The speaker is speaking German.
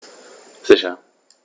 Sicher.